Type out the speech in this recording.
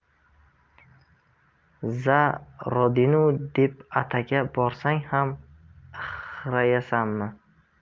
za rodinu deb atakaga borsang ham ixraysanmi